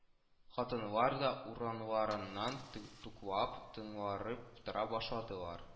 Хатыннар да, урларыннан туктап, тыңланып тора башладылар